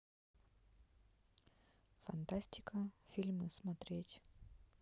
фантастика фильмы смотреть